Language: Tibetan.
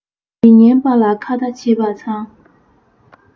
མི ཉན པ ལ ཁ ཏ བྱེད པ མཚང